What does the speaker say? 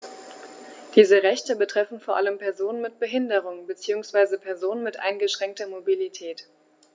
Diese Rechte betreffen vor allem Personen mit Behinderung beziehungsweise Personen mit eingeschränkter Mobilität.